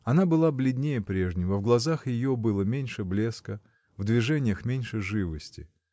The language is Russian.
Она была бледнее прежнего, в глазах ее было меньше блеска, в движениях меньше живости.